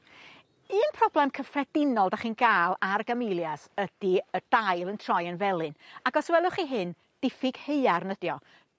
Un problam cyffredinol 'dych chi'n ga'l ar Gamellias ydi y dail yn troi yn felyn ac os welwch chi hyn, diffyg haearn ydi o.